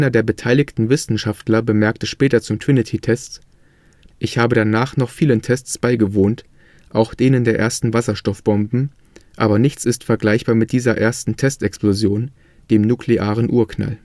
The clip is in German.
der beteiligten Wissenschaftler bemerkte später zum Trinity-Test: „ Ich habe danach noch vielen Tests beigewohnt, auch denen der ersten Wasserstoffbomben, aber nichts ist vergleichbar mit dieser ersten Test-Explosion, dem nuklearen Urknall